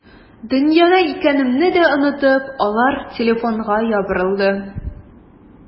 Дөньяда икәнемне дә онытып, алар телефонга ябырылды.